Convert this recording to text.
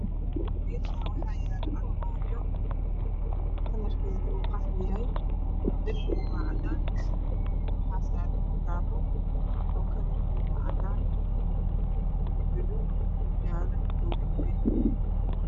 Meeshaan waxaa yaalo armaajo midabkeedu qaxwi yahay. Darbigu waa cadaan waxa saaran taako oo kalarkeedu cadaan buluug iyo jaalo ka kooban yahay.